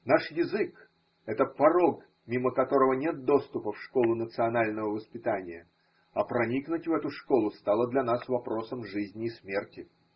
Наш язык – это порог, мимо которого нет доступа в школу национального воспитания, а проникнуть в эту школу стало для нас вопросом жизни или смерти.